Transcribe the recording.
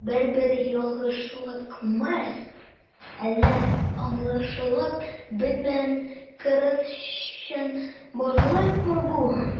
Бер-бер ялгышлыкмы, әллә аңлашылып бетмәгән кырыс чынбарлыкмы бу?